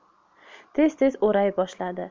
tez tez o'ray boshladi